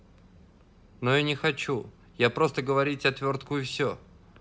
но я не хочу я просто говорить отвертку и все